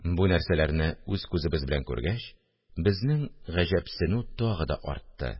Бу нәрсәләрне үз күзебез белән күргәч, безнең гаҗәпсенү тагын да артты